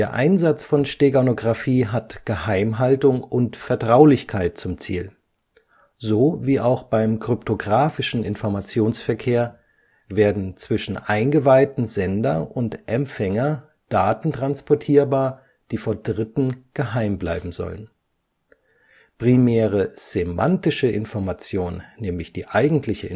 Einsatz von Steganographie hat Geheimhaltung und Vertraulichkeit zum Ziel. So wie auch beim kryptografischen Informationsverkehr, werden zwischen eingweihten Sender und Empfänger Daten transportierbar, die vor Dritten geheim bleiben sollen. Primäre semantische Information (die eigentliche